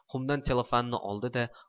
xumdan tselofanni oldi da